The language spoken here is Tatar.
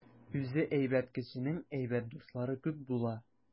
Үзе әйбәт кешенең әйбәт дуслары күп була.